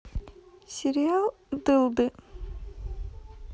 сериал дылды